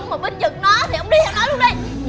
ông mà bênh vực nó thì ông đi